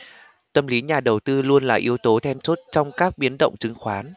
tâm lý nhà đầu tư luôn là yếu tố then chốt trong các biến động chứng khoán